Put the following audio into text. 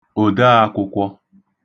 òdaākwụ̄kwọ̄